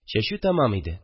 Чәчү тамам иде